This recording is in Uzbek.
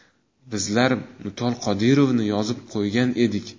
bizlar mutal qodirovni yozib qo'ygan edik